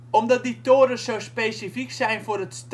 Omdat die torens zo specifiek zijn voor het